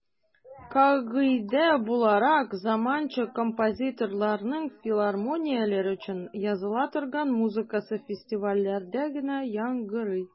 Кагыйдә буларак, заманча композиторларның филармонияләр өчен языла торган музыкасы фестивальләрдә генә яңгырый.